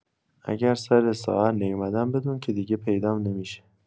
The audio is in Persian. اگه سر ساعت نیومدم بدون که دیگه پیدام نمی‌شه.